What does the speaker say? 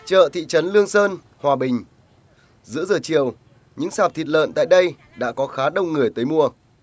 chợ thị trấn lương sơn hòa bình giữa giờ chiều những sạp thịt lợn tại đây đã có khá đông người tới mua